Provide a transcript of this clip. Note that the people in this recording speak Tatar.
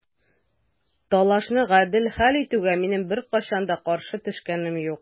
Талашны гадел хәл итүгә минем беркайчан да каршы төшкәнем юк.